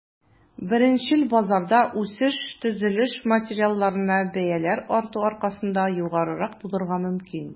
Беренчел базарда үсеш төзелеш материалларына бәяләр арту аркасында югарырак булырга мөмкин.